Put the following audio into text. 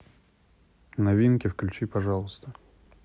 новинки включи пожалуйста